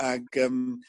ag yym